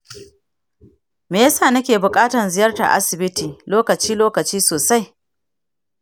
me yasa nake buƙatan ziyartar asibiti lokacin lokaci sosai?